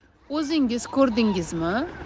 o'zingiz ko'rdingizmi